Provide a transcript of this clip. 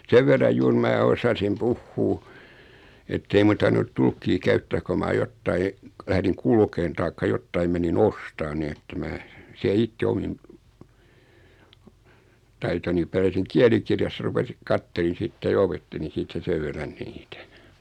sen verran juuri minä osasin puhua että ei minun tarvinnut tulkkia käyttää kun minä jotakin lähdin kulkemaan tai jotakin menin ostamaan niin että minä siellä itse omin taitoni pärjäsin kielikirjassa rupesin katselin sitten ja opettelin siitä sen verran niitä